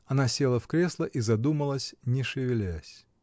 Она села в кресло и задумалась, не шевелясь.